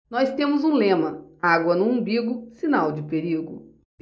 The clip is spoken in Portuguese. nós temos um lema água no umbigo sinal de perigo